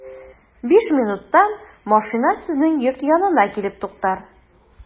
Биш минуттан машина сезнең йорт янына килеп туктар.